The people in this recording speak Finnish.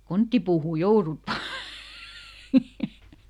konttipuuhun joudut vain